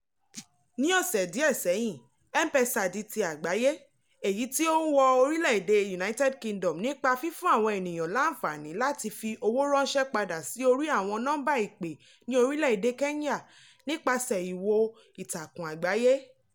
Ní ọ̀ṣẹ̀ díẹ̀ sẹ́yìn, M-Pesa di ti àgbáyé, èyí tí ó ń wọ orílẹ̀ èdè United Kingdom nípa fífún àwọn ènìyàn láǹfààní láti fi owó ránṣẹ́ padà sí orí àwọn nọ́mbà ìpè ní orílẹ̀ èdè Kenya nípasẹ̀ ìwò ìtàkùn àgbáyé.